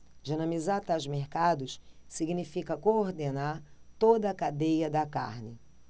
dinamizar tais mercados significa coordenar toda a cadeia da carne